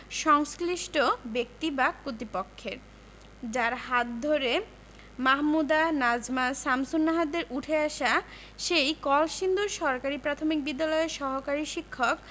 সংশ্লিষ্ট ব্যক্তি বা কর্তৃপক্ষের যাঁর হাত ধরে মাহমুদা নাজমা শামসুন্নাহারদের উঠে আসা সেই কলসিন্দুর সরকারি প্রাথমিক বিদ্যালয়ের সহকারী শিক্ষক